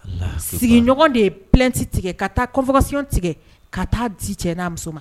Sigiɲɔgɔn de ye plainte tigɛ ka taa convocation tigɛ ka ta'a di cɛ n'a muso ma